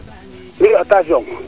fi'i attention